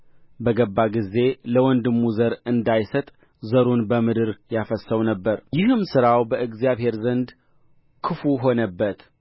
በገባ ጊዜ ለወንድሙ ዘር እንዳይሰጥ ዘሩን በምድር ያፈስስው ነበር ይህም ሥራው በእግዚአብሔር ዘንድ ክፉ ሆነበት